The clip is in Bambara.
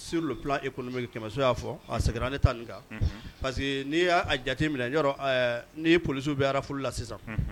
S e kɔnɔ kɛmɛso y'a fɔ a seginna ne taa nin pa que n'i y'a jate minɛ n polisiw bɛ ara nafolo la sisan